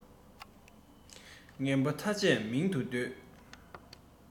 ངན པ ཐ ཆད མིང དུ འདོད